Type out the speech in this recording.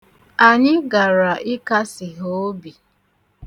Anyị gara ịkasi ha obi.